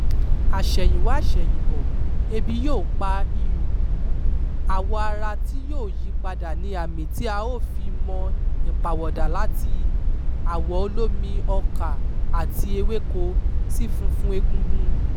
Àṣèyìnwá àṣẹ̀yìnbọ̀, ebi yóò pa iyùn kú; àwọ̀ ara tí yóò yí padà ni àmì tí a ó fi mọ̀, ìpàwọ̀dà láti àwọ̀ olómi-ọkà àti ewéko sí funfun egungun.